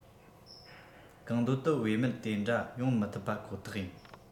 གང འདོད དུ བེད མེད དེ འདྲ ཡོང མི ཐུབ པ ཁོ ཐག ཡིན